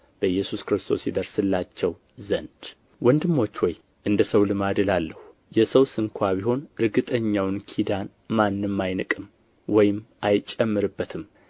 በኢየሱስ ክርስቶስ ይደርስላቸው ዘንድ ወንድሞች ሆይ እንደ ሰው ልማድ እላለሁ የሰው ስንኳ ቢሆን እርግጠኛውን ኪዳን ማንም አይንቅም ወይም አይጨምርበትም